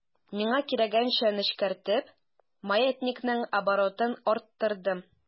Миңа кирәгенчә нечкәртеп, маятникның оборотын арттырдым.